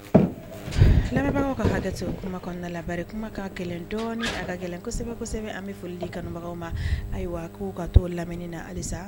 Bagaw ka hakɛda la ka dɔɔnin a ka gɛlɛn kosɛbɛsɛbɛ an bɛ folili kanubagaw ma ayiwa k' ka to lamini nasa